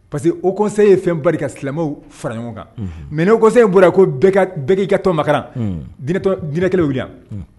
Parce que o kɔkisɛ ye fɛn barika ka silamɛw fara ɲɔgɔn kan mɛ' kɔ kosɛbɛ bɔra ko bɛɛ' katɔmakaran diinɛkɛw